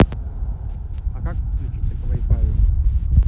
а как подключиться к вай фаю